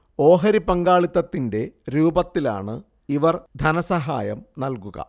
ഓഹരി പങ്കാളിത്തത്തിന്റെ രൂപത്തിലാണ് ഇവർ ധനസഹായം നൽകുക